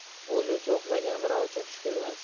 o'zi uchun uxlagan birov uchun tush ko'rmas